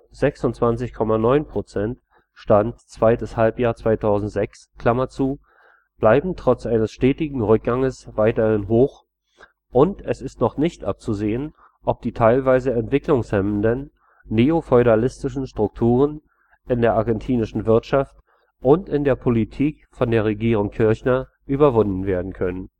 26,9 %, Stand: 2. Halbjahr 2006) bleiben trotz eines stetigen Rückganges weiterhin hoch, und es ist noch nicht abzusehen, ob die teilweise entwicklungshemmenden, neofeudalistischen Strukturen in der argentinischen Wirtschaft und in der Politik von der Regierung Kirchner überwunden werden können